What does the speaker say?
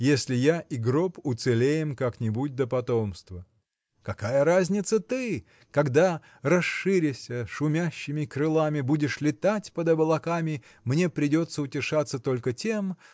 если я и гроб уцелеем как-нибудь до потомства. Какая разница ты когда расширяся шумящими крылами будешь летать под облаками мне придется утешаться только тем